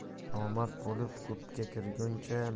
nomard bo'lib ko'pga kirguncha